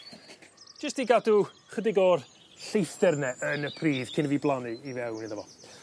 jyst i gadw chydig o'r lleithder 'ny yn y pridd cyn i fi blannu i fewn iddo fo.